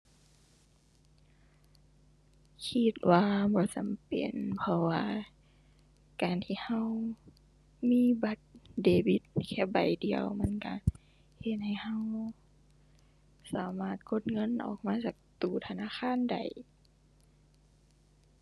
คิดว่าบ่จำเป็น เพราะว่าการที่เรามีบัตรเดบิตแค่ใบเดียวมันเราเฮ็ดให้เราสามารถกดเงินออกมาจากตู้ธนาคารได้